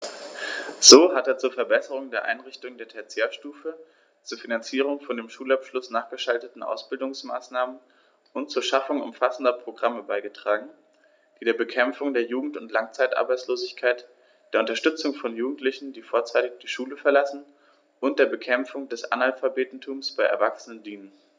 So hat er zur Verbesserung der Einrichtungen der Tertiärstufe, zur Finanzierung von dem Schulabschluß nachgeschalteten Ausbildungsmaßnahmen und zur Schaffung umfassender Programme beigetragen, die der Bekämpfung der Jugend- und Langzeitarbeitslosigkeit, der Unterstützung von Jugendlichen, die vorzeitig die Schule verlassen, und der Bekämpfung des Analphabetentums bei Erwachsenen dienen.